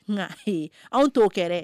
Nka hee anw t'o kɛ dɛ